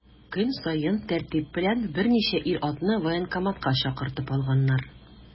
Көн саен тәртип белән берничә ир-атны военкоматка чакыртып алганнар.